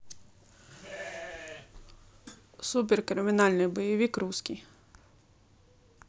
супер криминальный боевик русский